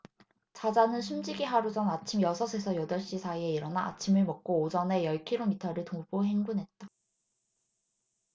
자자는 숨지기 하루 전 아침 여섯 에서 여덟 시 사이에 일어나 아침을 먹고 오전에 열 키로미터를 도보 행군했다